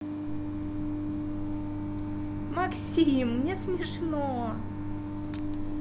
максим мне смешно